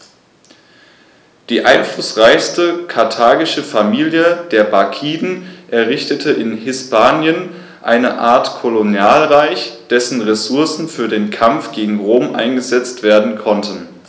Die einflussreiche karthagische Familie der Barkiden errichtete in Hispanien eine Art Kolonialreich, dessen Ressourcen für den Kampf gegen Rom eingesetzt werden konnten.